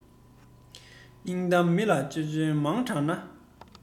སྙིང གཏམ མི ལ འཆོལ འཆོལ མང དྲགས ན